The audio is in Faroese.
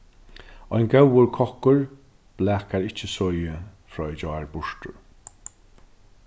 ein góður kokkur blakar ikki soðið frá í gjár burtur